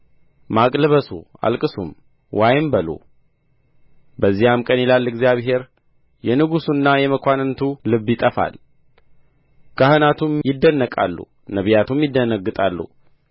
ማቅ ልበሱ አልቅሱም ዋይም በሉ በዚያም ቀን ይላል እግዚአብሔር የንጉሡና የመኳንንቱ ልብ ይጠፋል ካህናቱም ይደነቃሉ ነቢያቱም ይደነግጣሉ